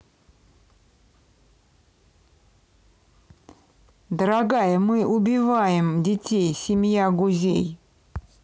дорогая мы убиваем детей семья гузей